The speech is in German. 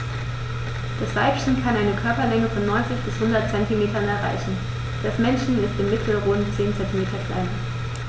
Das Weibchen kann eine Körperlänge von 90-100 cm erreichen; das Männchen ist im Mittel rund 10 cm kleiner.